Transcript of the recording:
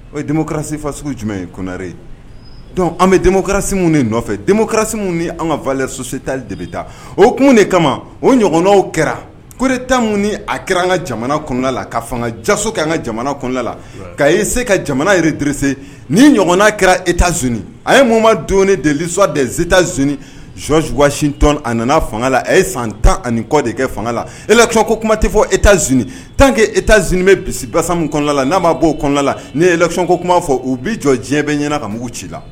O ye denmuso kɛra sefa sugu jumɛn ye kunɛre ye dɔnku an bɛ denmuso kɛrasiw de nɔfɛ denmuso kɛrasimu ni an ka vlɛsotali de bɛ taa o kun de kama o ɲɔgɔnnaw kɛra kore tan ni a kɛra an ka jamana kɔnɔ la ka fanga jaso ka'an ka jamana kɔnɔda la ka ye se ka jamana yɛrɛurse ni ɲɔgɔn'a kɛra e zoni a ye mun ma don ni delisɔdeta zoni sonuwasitɔnon a nana fanga la a ye san tan ani kɔ de kɛ fanga la e laɔn ko kuma tɛ fɔ e ta zoni tan kɛ e ta z bɛ bisimilabasamu kɔnɔla n'a ma bɔ o kɔnɔla n' ye lasonko kuma'a fɔ u bɛ jɔ diɲɛ bɛ ɲɛna ka mugu ci la